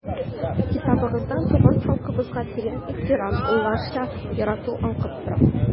Китабыгыздан туган халкыбызга тирән ихтирам, улларча ярату аңкып тора.